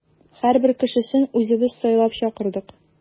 Һәрбер кешесен үзебез сайлап чакырдык.